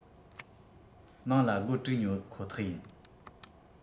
མང ལ སྒོར དྲུག ཉོ ཁོ ཐག ཡིན